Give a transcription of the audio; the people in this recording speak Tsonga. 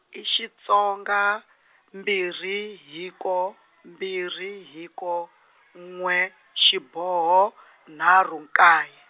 i Xitsonga, mbirhi hiko, mbirhi hiko, n'we xiboho, nharhu nkaye.